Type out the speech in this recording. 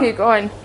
cig oen?